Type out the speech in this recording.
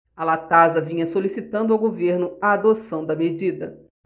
a latasa vinha solicitando ao governo a adoção da medida